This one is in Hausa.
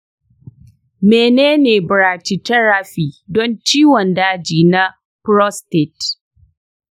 menene brachytherapy don ciwon daji na prostate?